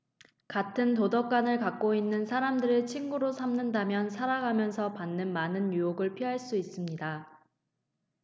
같은 도덕관을 갖고 있는 사람들을 친구로 삼는다면 살아가면서 받는 많은 유혹을 피할 수 있습니다